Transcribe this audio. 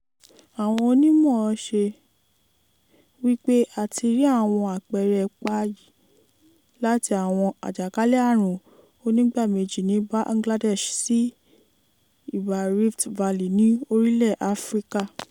Laura Grant, nígbà tí ó ń ṣe ìfiléde lórí Treevolution, ṣe àfikún pé wọ́n ti rí àwọn ipa àyípadà ojú-ọjọ́ ní Kenya náà.